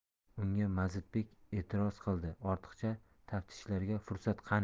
unga mazidbek etiroz qildi ortiqcha taftishlarga fursat qani